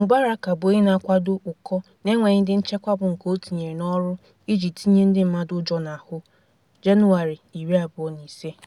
Mubaraka bụ onye na-akwado ụkọ na enweghi ndị nchekwa bụ nke o tinyere n'ọrụ iji tinye ndị mmadụ ụjọ n'ahụ. #Jan25.